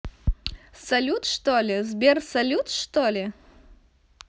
салют что ли сбер салют что ли